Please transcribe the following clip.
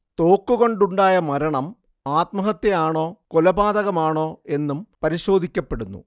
തോക്കുകൊണ്ടുണ്ടായ മരണം ആത്മഹത്യയാണോ കൊലപാതകമാണോ എന്നും പരിശോധിക്കപ്പെടുന്നു